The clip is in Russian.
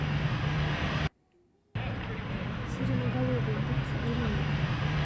сиреноголовый убийца или нет